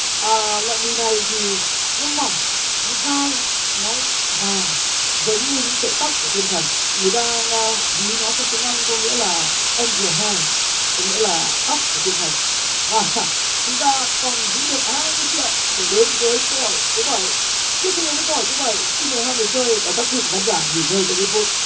ờ loại mì này thì nó mỏng nó dai nó vàng giống như những sợi tóc của thiên thần người ta ngờ ví nó trong tiếng anh có nghĩa là en dồ he có nghĩa là tóc của thiên thần và chúng ta còn giữ được hai mươi triệu để đến với câu hỏi số bẩy trước khi đến với câu hỏi số bảy xin mời hai người chơi và các vị khán giả nghỉ ngơi trong ít phút